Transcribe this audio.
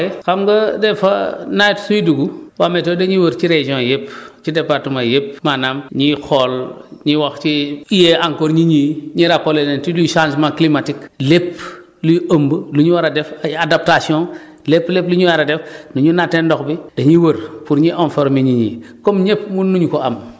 xam nga comme ni ñu ko waxee xam nga des fois nawet suy dugg waa météo dañuy wër ci régions yëpp ci département yëpp maanaam ñuy xool ñu wax ci yee encore nit ñi ñu rappeler leen toujours changement climatique lépp luy ëmb lu ñu war a def ay adaptations lépp lépp lu ñu war a def nu ñuy nattee ndox bi dañuy wër pour ñu informer nit ñi